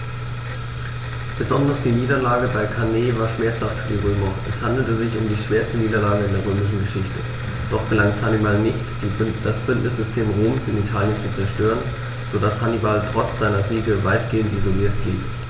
Besonders die Niederlage bei Cannae war schmerzhaft für die Römer: Es handelte sich um die schwerste Niederlage in der römischen Geschichte, doch gelang es Hannibal nicht, das Bündnissystem Roms in Italien zu zerstören, sodass Hannibal trotz seiner Siege weitgehend isoliert blieb.